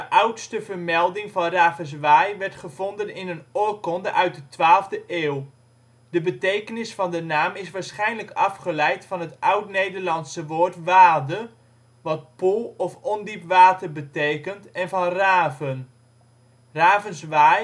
oudste vermelding van Ravenswaaij wordt gevonden in een oorkonde uit de 12e eeuw. De betekenis van de naam is waarschijnlijk afgeleid van het oud Nederlandse woord wade wat poel of ondiep water betekent en van raven. Ravenswaaij